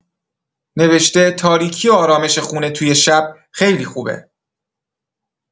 نوشته تاریکی و آرامش خونه توی شب خیلی خوبه.